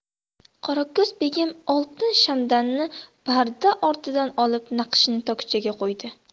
qorako'z begim oltin shamdonni parda ortidan olib naqshin tokchaga qo'ydi